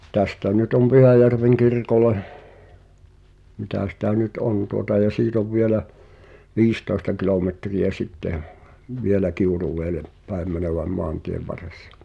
tästä nyt on Pyhäjärven kirkolle mitä sitä nyt on tuota ja siitä on vielä viisitoista kilometriä sitten - vielä Kiuruvedelle päin menevän maantien varressa